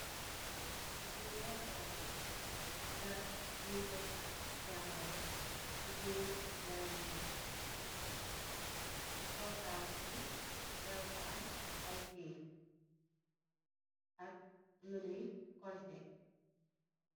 Lii ay garab la, garab yuy facc jaangoro si biir yaram i nit. Si kow taabul bi, yaañg fa am ay kayit ak lu ñuy kontee.